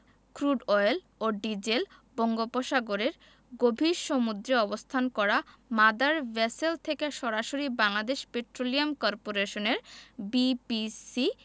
crude oil ও diesel বঙ্গোপসাগরের গভীর সমুদ্রে অবস্থান করা মাদার ভেসেল থেকে সরাসরি বাংলাদেশ পেট্রোলিয়াম করপোরেশনের বিপিসি